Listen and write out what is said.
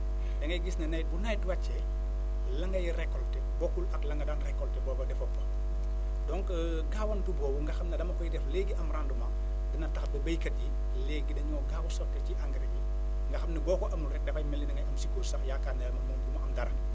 da ngay gis ne nawet bu nawet wàccee la ngay récolter bokkul ak la nga daan récolter booba defoo ko woon donc gaawantu boobu nga xam ne dama koy def léegi am rendement dina tax ba béykat yi léegi dañoo gaaw a sotti ci engrais bi nga xam ne boo ko amul rek dafay mel ni da ngay am psychose sax yaakaar ne moom du ma am dara